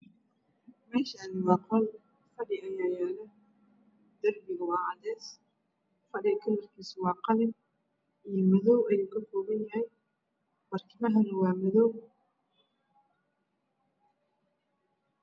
Meeshaan waa qol fadhi ayaa yaala darbiga waa cadays fadhiga kalarkiisa waa qalin iyo madow ayuu ka kooban yahay barkimahana waa madow.